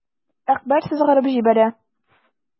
Әкбәр сызгырып җибәрә.